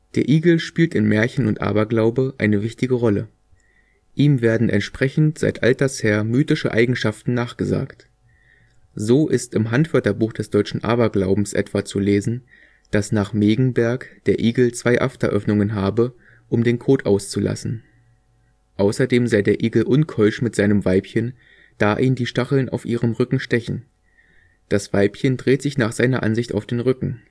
Der Igel spielt in Märchen und Aberglaube eine wichtige Rolle. Ihm werden entsprechend seit alters her mythische Eigenschaften nachgesagt. So ist im Handwörterbuch des deutschen Aberglaubens etwa zu lesen, dass nach Megenberg der Igel zwei Afteröffnungen habe, um den Kot auszulassen. Außerdem sei der Igel unkeusch mit seinem Weibchen, da ihn die Stacheln auf ihrem Rücken stechen. Das Weibchen dreht sich nach seiner Ansicht auf den Rücken